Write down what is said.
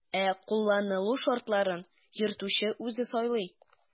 Ә кулланылу шартларын йөртүче үзе сайлый.